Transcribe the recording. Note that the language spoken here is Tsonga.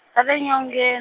ra le nyongen-.